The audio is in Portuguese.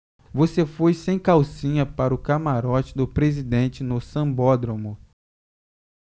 você foi sem calcinha para o camarote do presidente no sambódromo